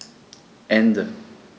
Ende.